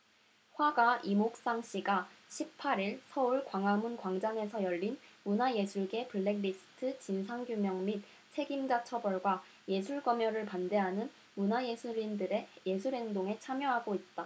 화가 임옥상씨가 십 팔 일 서울 광화문광장에서 열린 문화예술계 블랙리스트 진상규명 및 책임자 처벌과 예술검열을 반대하는 문화예술인들의 예술행동에 참여하고 있다